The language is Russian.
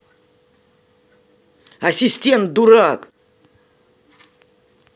ассистент дурак